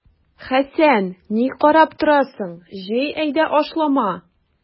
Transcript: Хәсән, ни карап торасың, җый әйдә ашлама!